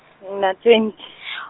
ngina twenty .